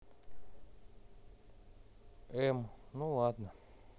эм ну ладно